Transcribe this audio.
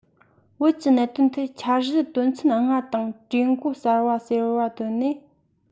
བོད ཀྱི གནད དོན ཐད འཆར གཞི དོན ཚན ལྔ དང གྲོས འགོ གསར བ ཟེར བ བཏོན ནས